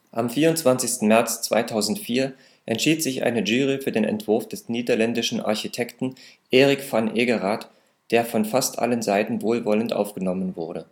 Am 24. März 2004 entschied sich eine Jury für den Entwurf des niederländischen Architekten Erick van Egeraat, der von fast allen Seiten wohlwollend aufgenommen wurde